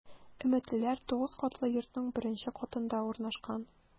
“өметлеләр” 9 катлы йортның беренче катында урнашкан.